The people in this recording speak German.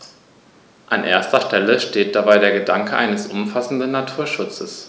An erster Stelle steht dabei der Gedanke eines umfassenden Naturschutzes.